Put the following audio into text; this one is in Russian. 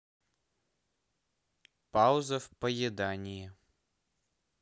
пауза в поедании